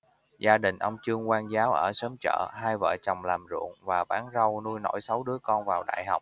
gia đình ông trương quang giáo ở xóm chợ hai vợ chồng làm ruộng và bán rau nuôi nổi sáu đứa con vào đại học